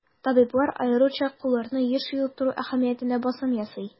Табиблар аеруча кулларны еш юып тору әһәмиятенә басым ясый.